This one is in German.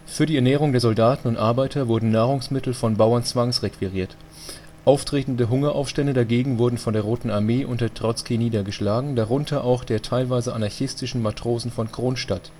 Für die Ernährung der Soldaten und Arbeiter wurden Nahrungsmittel von Bauern zwangsrequiriert. Auftretende (Hunger -) Aufstände dagegen wurden von der roten Armee unter Trotzki niedergeschlagen, darunter auch der der (teilweise anarchistischen) Matrosen von Kronstadt